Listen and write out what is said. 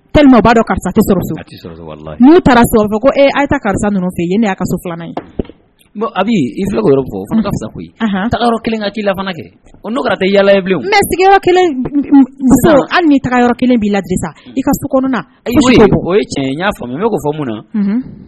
' dɔn karisau taara sɔrɔ fɔ ko e a ye karisa fɛ ɲini' ka so filanan ye a i karisa ka cifana kɛ o yaa bilen mɛ an i taga yɔrɔ kelen b'i la i o tiɲɛ'a faamuya ne fɔ mun na